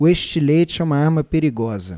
o estilete é uma arma perigosa